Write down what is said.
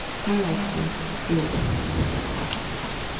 haraldssunds skúli